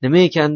nima ekan